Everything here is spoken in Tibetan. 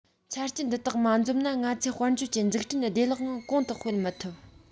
ཆ རྐྱེན འདི དག མ འཛོམས ན ང ཚོས དཔལ འབྱོར གྱི འཛུགས སྐྲུན བདེ བླག ངང གོང དུ སྤེལ མི ཐུབ